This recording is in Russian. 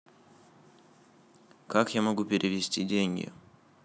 как я могу перевести деньги